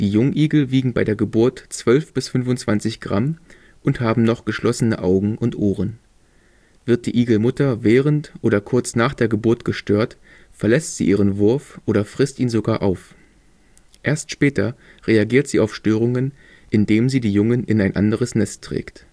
Jungigel wiegen bei der Geburt 12 bis 25 Gramm und haben noch geschlossene Augen und Ohren. Wird die Igelmutter während oder kurz nach der Geburt gestört, verlässt sie ihren Wurf oder frisst ihn sogar auf. Erst später reagiert sie auf Störungen, indem sie die Jungen in ein anderes Nest trägt